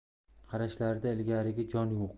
qarashlarida ilgarigi jon yo'q